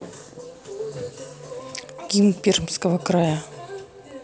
гимн пермского края